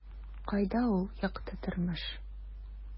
Кайда ул - якты тормыш? ..